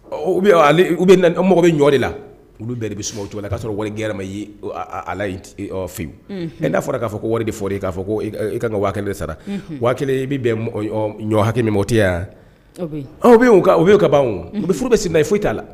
Ɔ bɛ u bɛ mɔgɔ bɛ ɲɔ de la olu bɛɛ de bɛ sumaworo cogo la k'a sɔrɔ wari g ma ye ala la fewu n n'a fɔra k'a fɔ ko wari de fɔ k'a fɔ ka waati sara bɛ bɛn ɲɔ hakɛ min o tɛ yan yan aw u'o ka ban u bɛ furuuru bɛ sen foyi t'a la